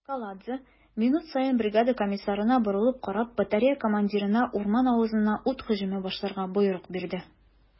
Каладзе, минут саен бригада комиссарына борылып карап, батарея командирына урман авызына ут һөҗүме башларга боерык бирде.